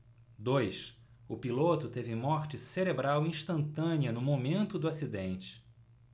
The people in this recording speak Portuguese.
dois o piloto teve morte cerebral instantânea no momento do acidente